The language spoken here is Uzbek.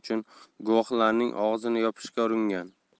uchun guvohlarning og'zini yopishga uringan